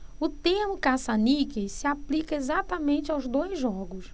o termo caça-níqueis se aplica exatamente aos dois jogos